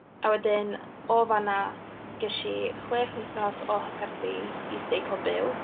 A wedyn o fan'na ges i chwech wythnos o hyfforddi is-deitlo byw.